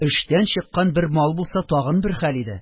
Эштән чыккан бер мал булса, тагы бер хәл иде!